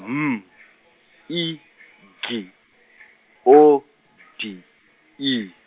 M I G O D I.